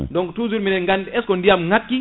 donc toujours minen gandi est ce que ndiyam ngakki